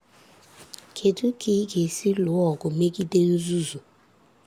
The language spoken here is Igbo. Kedu ka ị ga-esi lụọ ọgụ megide nzuzu?